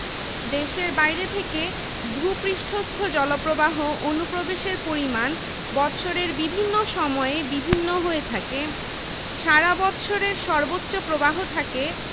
বিপণন sales works ১৪দশমিক ৮ শতাংশ সেবামূলক কর্মকান্ড সার্ভিস ওয়ার্ক্স ৪ দশমিক ৫ শতাংশ